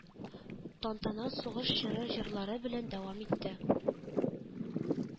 Тантана сугыш чоры җырлары белән дәвам итте